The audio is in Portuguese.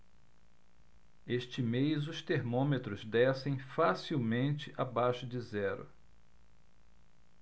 este mês os termômetros descem facilmente abaixo de zero